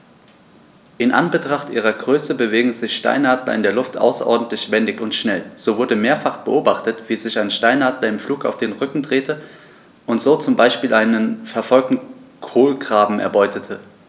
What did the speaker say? In Anbetracht ihrer Größe bewegen sich Steinadler in der Luft außerordentlich wendig und schnell, so wurde mehrfach beobachtet, wie sich ein Steinadler im Flug auf den Rücken drehte und so zum Beispiel einen verfolgenden Kolkraben erbeutete.